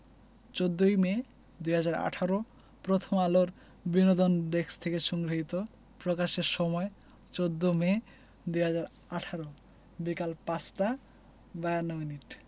১৪ই মে ২০১৮ প্রথমআলোর বিনোদন ডেস্কথেকে সংগ্রহীত প্রকাশের সময় ১৪মে ২০১৮ বিকেল ৫টা ৫২ মিনিট